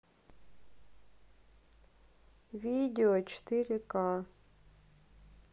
видео четыре ка